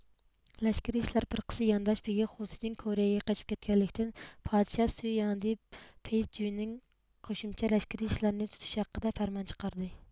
لەشكىرىي ئىشلار پىرقىسى يانداش بېگى خۇسجېڭ كورىيەگە قېچىپ كەتكەنلىكتىن پادىشاھ سۈي ياڭدى پېي جۈنىڭ قوشۇمچە لەشكىرىي ئىشلارنى تۇتۇشى ھەققىدە پەرمان چىقاردى